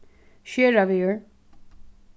skeravegur